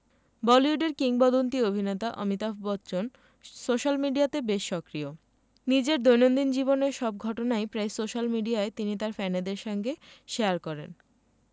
বলিউডের কিংবদন্তী অভিনেতা অমিতাভ বচ্চন সোশ্যাল মিডিয়াতে বেশ সক্রিয় নিজের দৈনন্দিন জীবনের সব ঘটনাই প্রায় সোশ্যাল মিডিয়ায় তিনি তার ফ্যানেদের সঙ্গে শেয়ার করেন